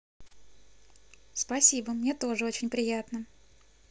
спасибо мне тоже очень приятно